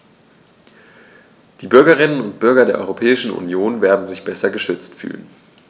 Die Bürgerinnen und Bürger der Europäischen Union werden sich besser geschützt fühlen.